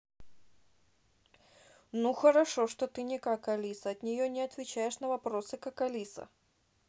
ну хорошо что ты никак алиса от не отвечаешь на вопросы как алиса